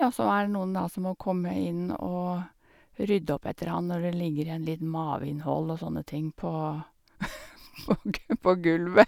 Og så er det noen, da, som må komme inn og rydde opp etter han når det ligger igjen litt maveinnhold og sånne ting, på på gu på gulvet.